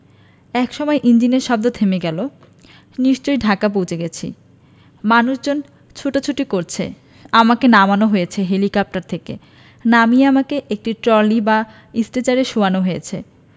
একসময় ইঞ্জিনের শব্দ থেমে গেলো নিশ্চয়ই ঢাকা পৌঁছে গেছি মানুষজন ছোটাছুটি করছে আমাকে নামানো হয়েছে হেলিকপ্টার থেকে নামিয়ে আমাকে একটা ট্রলি বা স্ট্রেচারে শোয়ানো হয়েছে